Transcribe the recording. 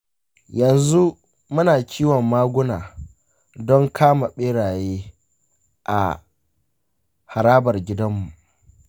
yanzu muna kiwon maguna don kama beraye a harabar gidanmu.